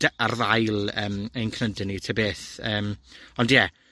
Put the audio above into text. dy- ar ddail yym ein cnyde ni ta beth. Yym, ond ie.